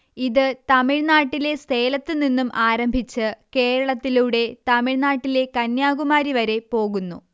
ഇത് തമിഴ് നാട്ടിലെ സേലത്തുനിന്നും ആരംഭിച്ച് കേരളത്തിലൂടെ തമിഴ് നാട്ടിലെ കന്യാകുമാരി വരെ പോകുന്നു